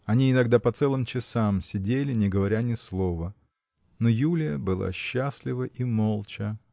Они иногда по целым часам сидели, не говоря ни слова. Но Юлия была счастлива и молча.